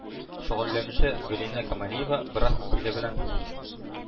Шөгыльләнүче гөлинә камалиева брасс стиле белән